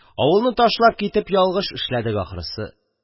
Авылны ташлап китеп ялгыш эшләдек ахырсы.